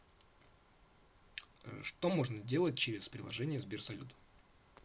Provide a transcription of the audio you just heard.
что можно делать через приложение сбер салют